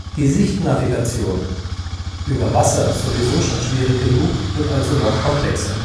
Die Sichtnavigation – über Wasser sowieso schon schwierig genug – wird also noch komplexer